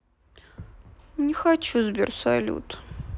не хочу сбер салют